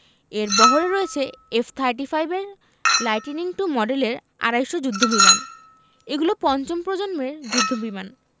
এর বহরে রয়েছে এফ থার্টি ফাইভ এর লাইটিনিং টু মডেলের আড়াই শ যুদ্ধবিমান এগুলো পঞ্চম প্রজন্মের যুদ্ধবিমান